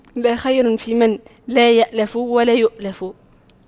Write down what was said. لا خير فيمن لا يَأْلَفُ ولا يؤلف